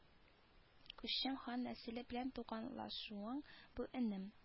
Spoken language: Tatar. Күчем хан нәселе белән туганлашуың бу энем